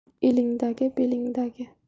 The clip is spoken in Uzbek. elingdagi belingdagi